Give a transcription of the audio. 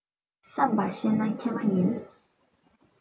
བསམ པ ཤེས ན མཁས པ ཡིན